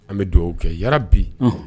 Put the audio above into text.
An bɛ dugawu kɛ ya bi